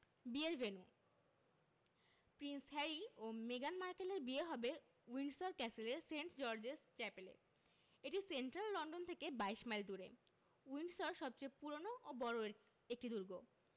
বিয়ের venue prince Harry ও মেগান মার্কেলের বিয়ে হবে উইন্ডসর ক্যাসেলের সেন্ট জর্জেস চ্যাপেলে এটি সেন্ট্রাল লন্ডন থেকে ২০ মাইল দূরে উইন্ডসর সবচেয়ে পুরোনো ও বড় একটি দুর্গ